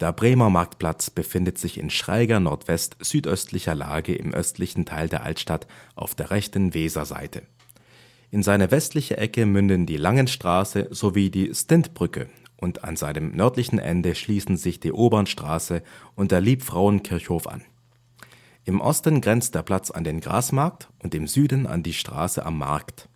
Bremer Marktplatz befindet sich in schräger nordwest-südöstlicher Lage im östlichen Teil der Altstadt auf der rechten Weserseite. In seine westliche Ecke münden die Langenstraße sowie die Stintbrücke und an seinem nördlichen Ende schließen sich die Obernstraße und der Liebfrauenkirchhof an. Im Osten grenzt der Platz an den Grasmarkt und im Süden an die Straße Am Markt